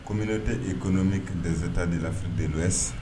Communauté économique des Etas de l' Afrique de l' ouest